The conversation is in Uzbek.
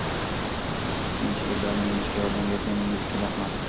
qiyinchiliklarni yengishga yordam berganingiz uchun rahmat